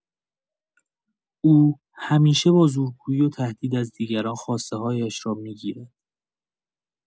او همیشه با زورگویی و تهدید از دیگران خواسته‌هایش را می‌گیرد.